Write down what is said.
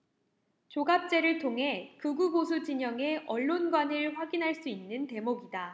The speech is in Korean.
조갑제를 통해 극우보수진영의 언론관을 확인할 수 있는 대목이다